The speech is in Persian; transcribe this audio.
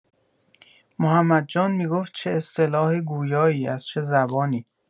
محمد جان می‌گفت چه اصطلاح گویایی از چه زبانی